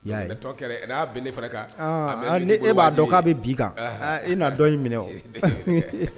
Ne e b'a dɔn k'a bɛ bi kan e'a dɔn in minɛ o